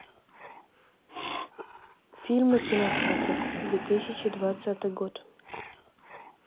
фильмы кинотеатров две тысячи двадцатый год